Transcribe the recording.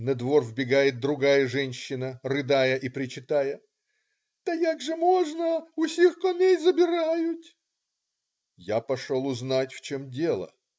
На двор вбегает другая женщина, рыдая и причитая: "та як же можно, усих коней забирают. " Я пошел узнать, в чем дело.